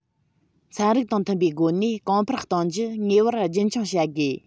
ཚན རིག དང མཐུན པའི སྒོ ནས གོང འཕེལ གཏོང རྒྱུ ངེས པར རྒྱུན འཁྱོངས བྱ དགོས